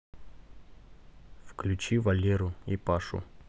включи валеру и пашу